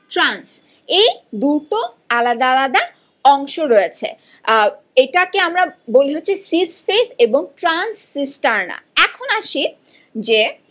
ট্রানস এই আলাদা আলাদা রয়েছে এটা কি আমরা বলি হচ্ছে সিস ফেইস এবং ট্রান্সসিস্টারনা এখন আসি যে